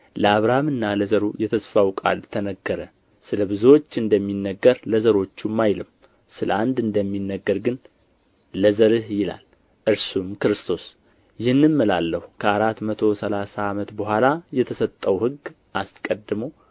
ለአብርሃምና ለዘሩም የተስፋው ቃል ተነገረ ስለ ብዙዎች እንደሚነገር ለዘሮቹም አይልም ስለ አንድ እንደሚነገር ግን ለዘርህም ይላል እርሱም ክርስቶስ ይህንም እላለሁ ከአራት መቶ ሠላሳ ዓመት በኋላ የተሰጠው ሕግ አስቀድሞ